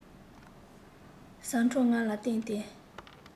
ཟ འཕྲོ ང ལ བསྟན ཏེ